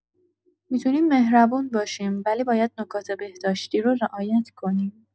می‌تونیم مهربون باشیم، ولی باید نکات بهداشتی رو رعایت کنیم.